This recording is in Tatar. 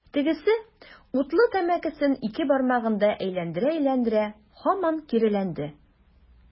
Тегесе, утлы тәмәкесен ике бармагында әйләндерә-әйләндерә, һаман киреләнде.